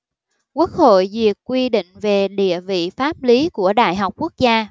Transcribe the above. quốc hội duyệt quy định về địa vị pháp lý của đại học quốc gia